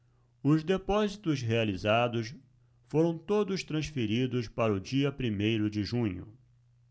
os depósitos realizados foram todos transferidos para o dia primeiro de junho